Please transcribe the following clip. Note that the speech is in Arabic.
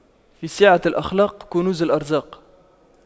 في سعة الأخلاق كنوز الأرزاق